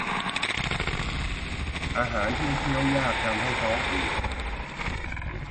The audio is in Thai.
อาหารที่เคี้ยวยากทำให้ท้องอืด